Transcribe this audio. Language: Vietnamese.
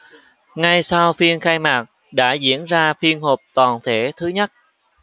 ngay sau phiên khai mạc đã diễn ra phiên họp toàn thể thứ nhất